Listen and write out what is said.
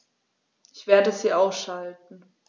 Ich werde sie ausschalten